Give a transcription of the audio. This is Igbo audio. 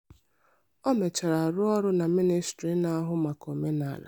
O mechara rụọ ọrụ na Mịnịstrị na-ahụ maka Omenaala.